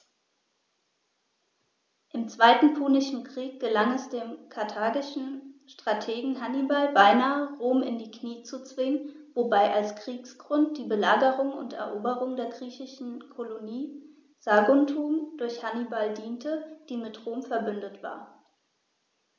Im Zweiten Punischen Krieg gelang es dem karthagischen Strategen Hannibal beinahe, Rom in die Knie zu zwingen, wobei als Kriegsgrund die Belagerung und Eroberung der griechischen Kolonie Saguntum durch Hannibal diente, die mit Rom „verbündet“ war.